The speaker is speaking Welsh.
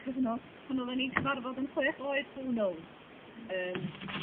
cyfnod pan oddan ni'n cyfarfod yn chwech oed who knows yym.